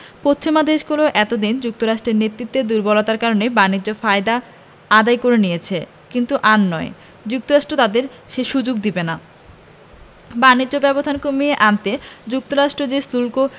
পশ্চিমা দেশগুলো এত দিন যুক্তরাষ্ট্রের নেতৃত্বের দুর্বলতার কারণে বাণিজ্য ফায়দা আদায় করে নিয়েছে কিন্তু আর নয় যুক্তরাষ্ট্র তাদের সে সুযোগ দেবে না বাণিজ্য ব্যবধান কমিয়ে আনতে যুক্তরাষ্ট্র যে শুল্ক